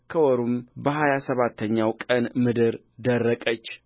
ከወሩም በሀያ ሰባተኛው ቀን ምድር ደረቀች